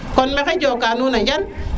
kon maxey joka nuna njal